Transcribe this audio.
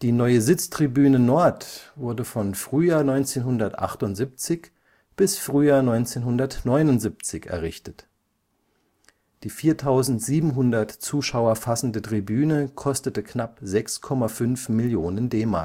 neue Sitztribüne Nord wurde von Frühjahr 1978 bis Frühjahr 1979 errichtet. Die 4.700 Zuschauer fassende Tribüne kostete knapp 6,5 Millionen DM